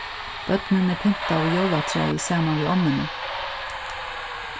børnini pyntaðu jólatræið saman við ommuni